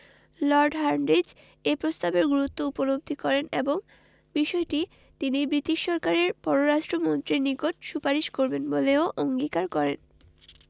Lord Hardinge এ প্রস্তাবের গুরুত্ব উপলব্ধি করেন এবং বিষয়টি তিনি ব্রিটিশ সরকারের পররাষ্ট্র মন্ত্রীর নিকট সুপারিশ করবেন বলেও অঙ্গীকার করেন